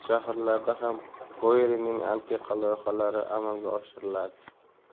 shaharlarida ham boyerining antiqa loyihalari amalga oshiriladi